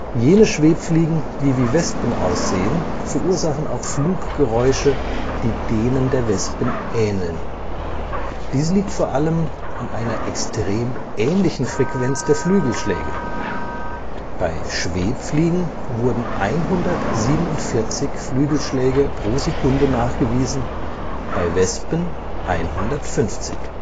Jene Schwebfliegen, die wie Wespen aussehen, verursachen auch Fluggeräusche, die denen der Wespen ähneln. Dies liegt vor allem an einer extrem ähnlichen Frequenz der Flügelschläge: Bei Schwebfliegen wurden 147 Flügelschläge pro Sekunde nachgewiesen, bei Wespen 150